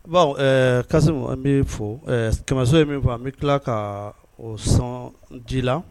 Baw kasi n bɛ kɛmɛso ye min fɔ an bɛ tila ka o sɔn' la